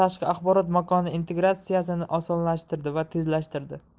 axborot makoni integratsiyasini osonlashtirdi va tezlashtirdi